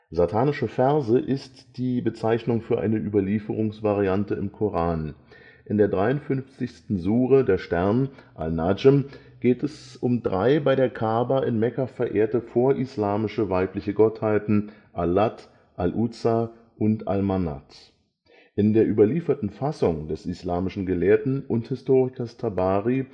Satanische Verse “ist die Bezeichnung für eine Überlieferungsvariante im Koran. In der 53. Sure „ Der Stern “(al-Nadschm) geht es um drei bei der Kaaba in Mekka verehrte, vorislamische, weibliche Gottheiten: Al-Lat, Al -' Uzza und Al-Manat. In der überlieferten Fassung des islamischen Gelehrten und Historikers Tabari